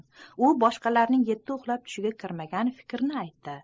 u boshqalarning yetti uxlab tushiga kirmagan fikrni aytmoqda